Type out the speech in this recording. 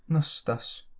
Nostos